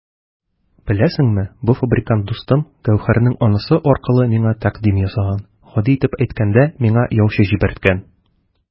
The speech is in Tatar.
Беләсеңме, бу фабрикант дустым Гәүһәрнең анасы аркылы миңа тәкъдим ясаган, гади итеп әйткәндә, миңа яучы җибәрткән!